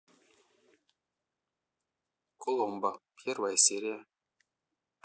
коломбо первая серия